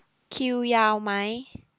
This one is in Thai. คิวยาวไหม